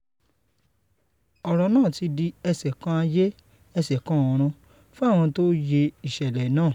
Ọ̀rọ̀ náà ti di ẹsẹ̀ kan ayé, ẹsẹ̀ kan ọrun fún àwọn tí ó yé ìṣẹ̀lẹ̀ náà.